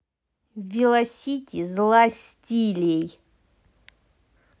velocity зла стилей